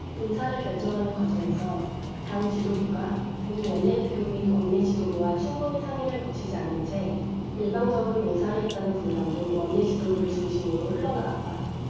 인사를 결정하는 과정에서 당 지도부가 우 원내대표 및 원내지도부와 충분한 상의를 거치지 않은 채 일방적으로 인사를 했다는 불만도 원내지도부를 중심으로 흘러나왔다